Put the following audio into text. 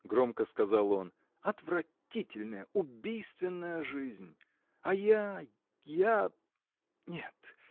– громко сказал он, – отвратительная, убийственная жизнь! А я, я. нет!